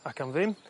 ac am ddim